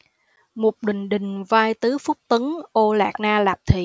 mục đình đình vai tứ phúc tấn ô lạt na lạp thị